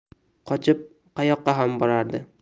qochib qayoqqa ham borardi